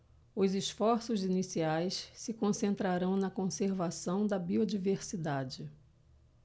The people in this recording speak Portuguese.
os esforços iniciais se concentrarão na conservação da biodiversidade